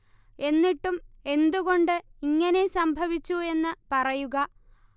എന്നിട്ടും എന്ത് കൊണ്ട് ഇങ്ങനെ സംഭവിച്ചു എന്ന് പറയുക